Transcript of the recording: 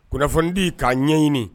Kunnafonidi k'a ɲɛɲini